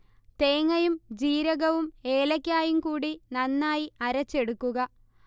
തേങ്ങയും ജീരകവും ഏലയ്ക്കായും കൂടി നന്നായി അരച്ചെടുക്കുക